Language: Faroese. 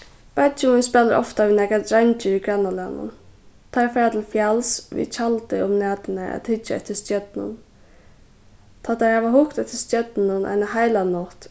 beiggi mín spælir ofta við nakrar dreingir í grannalagnum teir fara til fjals við tjaldi um næturnar at hyggja eftir stjørnum tá teir hava hugt eftir stjørnunum eina heila nátt